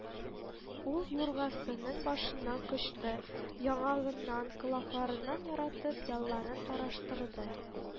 Ул юргасының башыннан кочты, яңагыннан, колакларыннан яратып, ялларын тараштырды